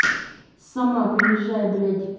сама приезжай блядь